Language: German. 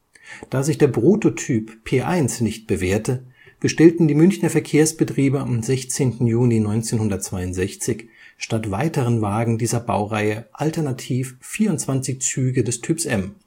Da sich der Prototyp P 1 nicht bewährte, bestellten die Münchner Verkehrsbetriebe am 16. Juni 1962 statt weiteren Wagen dieser Baureihe alternativ 24 Züge des Typs M.